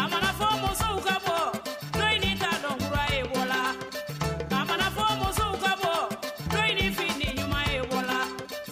A mana fɔ muso ka to ɲi ta dɔnkura e wala a fɔ muso ka to ɲi fini ɲuman ye